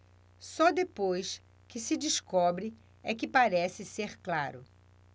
só depois que se descobre é que parece ser claro